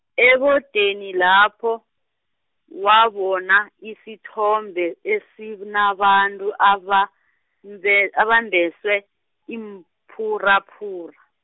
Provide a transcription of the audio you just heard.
ebodeni lapho, wabona isithombe esinabantu, abambe- abambeswe iimphuraphura.